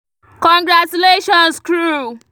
Congratulations crew!